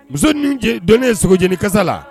Muso nun donnen sogo jeninikasa la